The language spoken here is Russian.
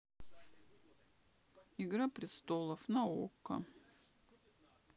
игра престолов на окко